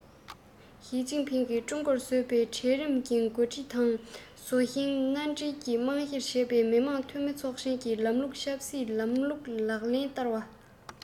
ཞིས ཅིན ཕིང གིས ཀྲུང གོར བཟོ པའི གྲལ རིམ གྱིས འགོ ཁྲིད བྱེད པ དང བཟོ ཞིང མནའ འབྲེལ རྨང གཞིར བྱས པའི མི དམངས འཐུས མི ཚོགས ཆེན ལམ ལུགས ཀྱི ཆབ སྲིད ལམ ལུགས ལག ལེན བསྟར བ